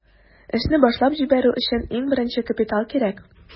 Эшне башлап җибәрү өчен иң беренче капитал кирәк.